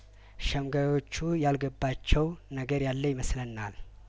ሸምጋዮቹ ያልገባቸው ነገር ያለ ይመስለናል